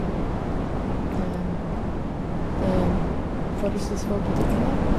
Det er forholdsvis få butikker der.